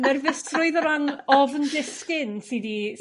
Nerfusrwydd o ran ofn disgyn sy 'di